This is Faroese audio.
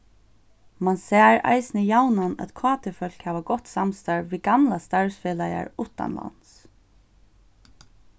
mann sær eisini javnan at kt-fólk hava gott samstarv við gamlar starvsfelagar uttanlands